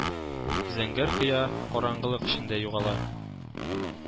Зәңгәр кыя караңгылык эчендә югала